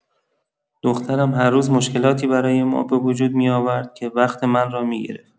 دخترم هر روز مشکلاتی برای ما به‌وجود می‌آورد که وقت من را می‌گرفت.